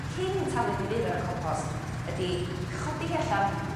cyn taflu ddim byd ar y compost ydi ei chodi hi allan